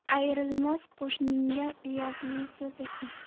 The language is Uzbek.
ayrilmas qo'shningga uyatli so'z aytma